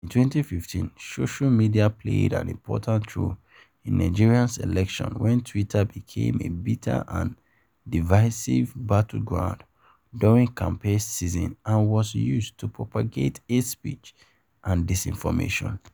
In 2015, social media played an important role in Nigeria's elections when Twitter became a bitter and divisive battleground during campaign season and was used to propagate hate speech and disinformation.